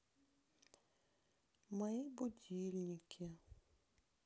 мои будильники